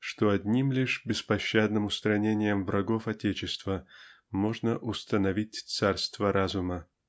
что одним лишь беспощадным устранением врагов отечества можно установить царство разума.